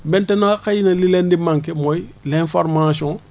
maintenant xëy na li leen di manqué mooy l' information